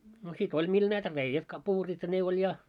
no sitä oli millä näitä reiät kapuurit ja ne oli ja